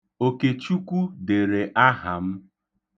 Okechukwu dere aha m.